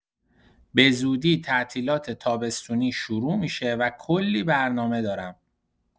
بزودی تعطیلات تابستونی شروع می‌شه و کلی برنامه دارم.